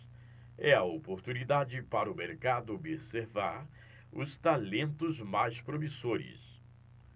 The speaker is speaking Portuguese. é a oportunidade para o mercado observar os talentos mais promissores